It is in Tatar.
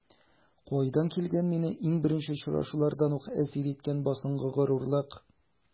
Кайдан килгән мине иң беренче очрашулардан үк әсир иткән басынкы горурлык?